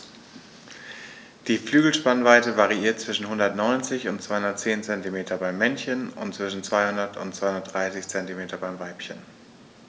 Die Flügelspannweite variiert zwischen 190 und 210 cm beim Männchen und zwischen 200 und 230 cm beim Weibchen.